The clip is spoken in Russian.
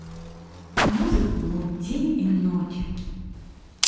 музыка мой день и ночь